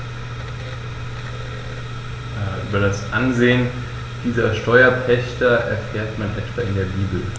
Über das Ansehen dieser Steuerpächter erfährt man etwa in der Bibel.